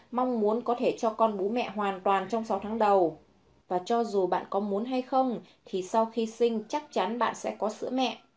mong muốn có thể cho con bú mẹ hoàn toàn trong tháng đầu và cho dù bạn có muốn hay không thì sau khi sinh chắc chắn bạn sẽ có sữa mẹ